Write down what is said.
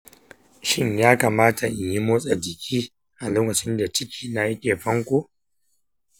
shin ya kamata in yi motsa jiki a lokacin da cikina yake fanko?